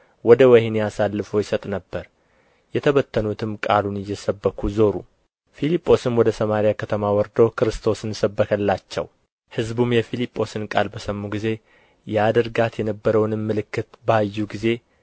ወደ ወኅኒ አሳልፎ ይሰጥ ነበር የተበተኑትም ቃሉን እየሰበኩ ዞሩ ፊልጶስም ወደ ሰማርያ ከተማ ወርዶ ክርስቶስን ሰበከላቸው ሕዝቡም የፊልጶስን ቃል በሰሙ ጊዜ ያደርጋት የነበረውንም ምልክት ባዩ ጊዜ